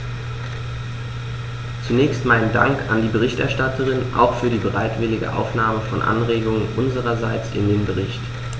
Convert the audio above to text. Zunächst meinen Dank an die Berichterstatterin, auch für die bereitwillige Aufnahme von Anregungen unsererseits in den Bericht.